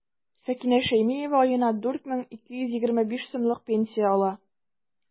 Сәкинә Шәймиева аена 4 мең 225 сумлык пенсия ала.